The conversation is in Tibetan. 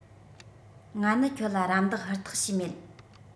ང ནི ཁྱོད ལ རམ འདེགས ཧུར ཐག བྱས མེད